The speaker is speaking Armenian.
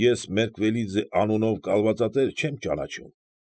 Ես Մերկվելիձե անունով կալվածատեր չեմ ճանաչում։